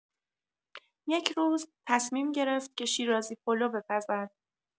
یک روز، تصمیم گرفت که شیرازی‌پلو بپزد.